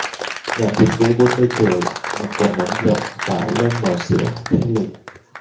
nhà thiết kế bốn mươi tuổi mặc quần ống rộng và áo len màu sữa thanh lịch